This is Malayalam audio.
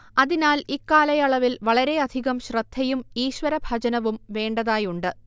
അതിനാൽ ഇക്കാലയളവിൽ വളരെയധികം ശ്രദ്ധയും ഈശ്വരഭജനവും വേണ്ടതായുണ്ട്